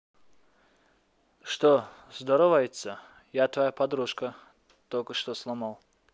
что здоровается я твоя подружка только что сломал